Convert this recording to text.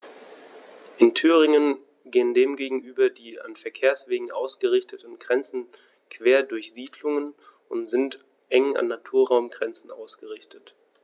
In Thüringen gehen dem gegenüber die an Verkehrswegen ausgerichteten Grenzen quer durch Siedlungen und sind eng an Naturraumgrenzen ausgerichtet.